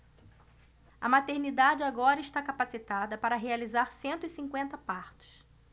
a maternidade agora está capacitada para realizar cento e cinquenta partos